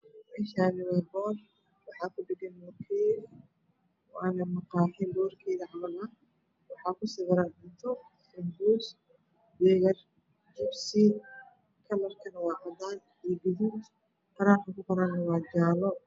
Meeshaani waa boor waxaa ku dhagan cuntooyin waa maqaayad boorkeed waxaa kusawiran cunto moos, hambeegar jabsi kalarkana waa cadaan iyo gaduud qoraalka kuqorana waa jaalo.